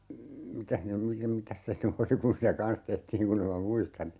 mitäs ne - mitäs se nyt oli kun sitä kanssa tehtiin kun en minä muista niin